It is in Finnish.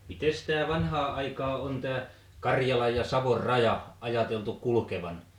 mitenkäs tämä vanhaan aikaan on tämä Karjalan ja Savon raja ajateltu kulkevan